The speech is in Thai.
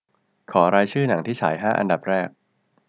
ขอรายชื่อหนังที่ฉายห้าอันดับแรก